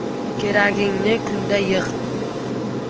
keragingni kunda yig'